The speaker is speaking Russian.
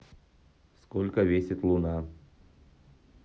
сколько весит луна